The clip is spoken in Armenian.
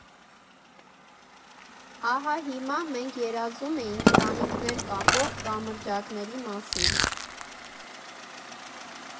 Ահա հիմա, մենք երազում էինք տանիքներ կապող կամրջակների մասին։